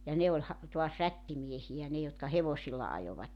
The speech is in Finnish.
ja ne oli - taas rättimiehiä ne jotka hevosilla ajoivat